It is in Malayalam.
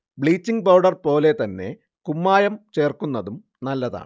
ബ്ലീച്ചിങ് പൗഡർ പോലെ തന്നെ കുമ്മായം ചേർക്കുന്നതും നല്ലതാണ്